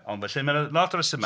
Ond felly mae 'na lot o resymau.